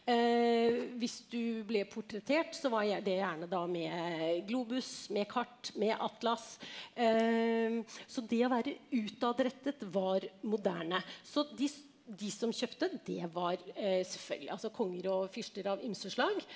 hvis du ble portrettert så var det gjerne da med globus med kart med atlas så det å være utadrettet var moderne, så de de som kjøpte det var selvfølgelig altså konger og fyrster av ymse slag.